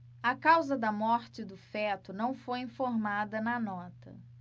a causa da morte do feto não foi informada na nota